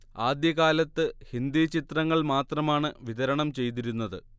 ആദ്യ കാലത്ത് ഹിന്ദി ചിത്രങ്ങൾ മാത്രമാണ് വിതരണം ചെയ്തിരുന്നത്